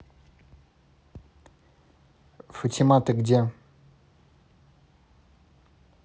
фатима ты где